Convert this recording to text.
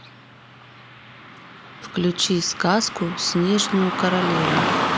включи сказку снежную королеву